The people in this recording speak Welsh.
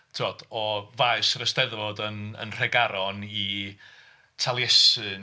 Tibod o faes yr Eisteddfod yn yn Nhregaron i Taliesin.